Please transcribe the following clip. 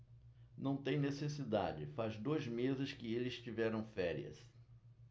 não tem necessidade faz dois meses que eles tiveram férias